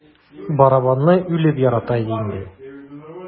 Барабанны үлеп ярата иде инде.